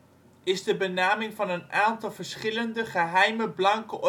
de benaming van een aantal verschillende geheime blanke